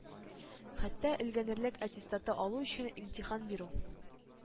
Хәтта өлгергәнлек аттестаты алу өчен имтихан бирү,